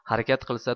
harakat qilsa